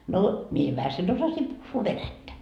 no minä jo vähäsen osasin puhua venäjää